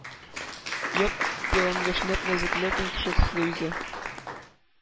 Яп-ялангач, нәп-нәзек, ләкин кеше төсле үзе;